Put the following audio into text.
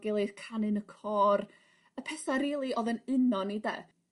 gilydd canu'n y côr. Y petha rili odd yn uno ni 'de?